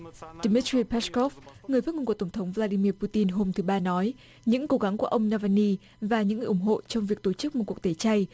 đờ mít tri pát cốp người phát ngôn của tổng thống v la đi mi pu tin hôm thứ ba nói những cố gắng của ông na va ny và những người ủng hộ trong việc tổ chức một cuộc tẩy chay